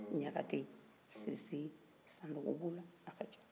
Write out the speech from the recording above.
ɲakate sise sanogo bɛ o la a ka ca